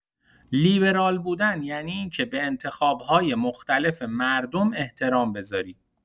لیبرال بودن یعنی اینکه به انتخاب‌های مختلف مردم احترام بذاری.